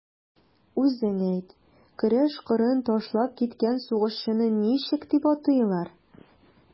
Үзең әйт, көрәш кырын ташлап киткән сугышчыны ничек дип атыйлар?